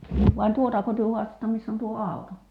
vai tuotako te haastatte missä on tuo auto